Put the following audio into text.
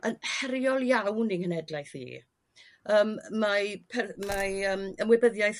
yn heriol iawn i'n nghenhedlaeth i yrm mae pe- mae yrm ymwybyddiaeth